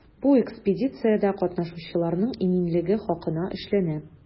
Бу экспедициядә катнашучыларның иминлеге хакына эшләнә.